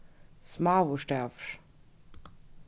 smáur stavur